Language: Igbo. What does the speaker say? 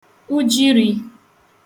ujiri